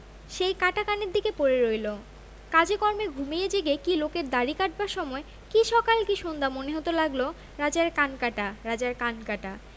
সেই কাটা কানের দিকে পড়ে রইল কাজে কর্মে ঘুমিয়ে জেগে কী লোকের দাড়ি কাটবার সময় কী সকালম কী সন্ধ্যা মনে হতে লাগল রাজার কান কাটা রাজার কান কাটা